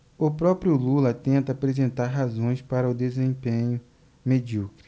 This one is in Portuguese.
o próprio lula tenta apresentar razões para o desempenho medíocre